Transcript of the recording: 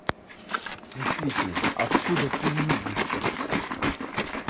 действительно откуда хуйню несешь